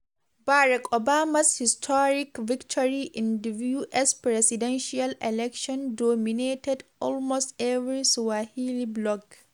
Barack Obama's historic victory in the US Presidential election dominated almost every Swahili blog.